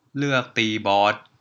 เลือกตีบอส